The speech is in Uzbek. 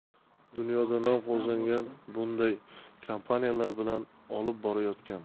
dunyoda nom qozongan bunday kompaniyalar bilan olib borayotgan